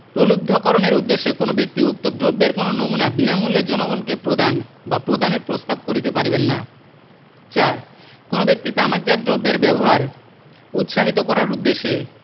প্রলুব্ধকরণের উদ্দেশ্যে কোন ব্যক্তি উক্ত দ্রব্যের কোন নমুনা বিনামূল্যে জনগণকে প্রদান বা প্রদানের প্রস্তাব করিতে পারিবেন না ৪ কোন ব্যক্তি তামাকজাত দ্রব্যের ব্যবহার উৎসাহিত করার উদ্দেশ্যে